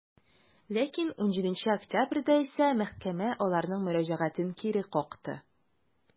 Ләкин 17 октябрьдә исә мәхкәмә аларның мөрәҗәгатен кире какты.